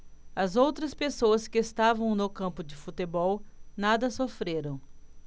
as outras pessoas que estavam no campo de futebol nada sofreram